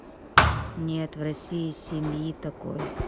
нет в россии семьи такой